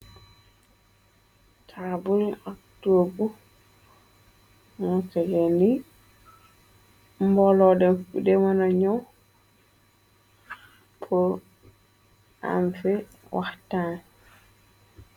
Taabul togu mu tege nii mbolo demënaño pur amfi waxtan.